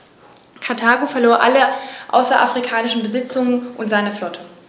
Karthago verlor alle außerafrikanischen Besitzungen und seine Flotte.